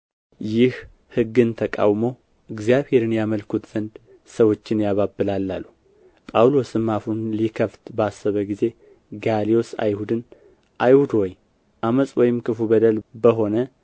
ይህ ሕግን ተቃውሞ እግዚአብሔርን ያመልኩት ዘንድ ሰዎችን ያባብላል አሉ ጳውሎስም አፉን ሊከፍት ባሰበ ጊዜ ጋልዮስ አይሁድን አይሁድ ሆይ ዓመፅ ወይም ክፉ በደል በሆነ